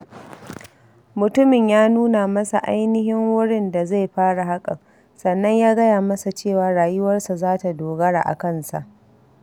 Mutumin ya nuna masa ainihin wurin da zai fara haƙan, sannan ya gaya masa cewa rayuwarsa za ta dogara a kansa.